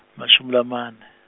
emashumi lamane.